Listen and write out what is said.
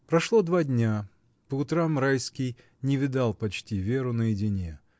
Прошло два дня. По утрам Райский не видал почти Веру наедине.